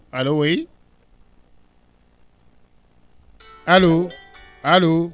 allo ouais allo allo